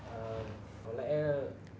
ờ có lẽ